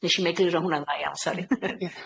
Nesh i'm egluro hwn'na'n dda iawn, sori.